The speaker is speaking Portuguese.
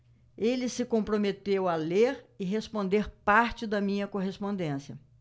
ele se comprometeu a ler e responder parte da minha correspondência